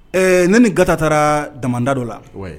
Ɛɛ ne ni gata taara danda dɔ la